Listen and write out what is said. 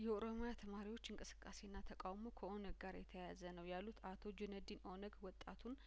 የኦሮሚያ ተማሪዎች እንቅስቃሴና ተቃውሞ ከኦነግ ጋር የተያያዘ ነው ያሉት አቶ ጁነዲን ኦነግ ወጣቱን